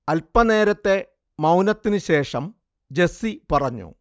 അല്‍പ്പനേരത്തെ മൗനത്തിനു ശേഷം ജെസ്സി പറഞ്ഞു